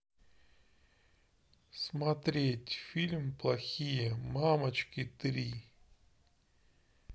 смотреть фильм плохие мамочки три